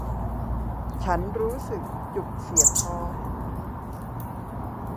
ฉันรู้สึกจุกเสียดท้อง